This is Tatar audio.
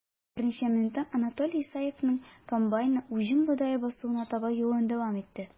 Берничә минуттан Анатолий Исаевның комбайны уҗым бодае басуына таба юлын дәвам итте.